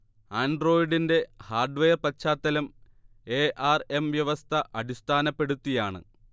ആൻഡ്രോയ്ഡിന്റെ hardware പശ്ചാത്തലം A R M വ്യവസ്ഥ അടിസ്ഥാനപ്പെടുത്തിയാണ്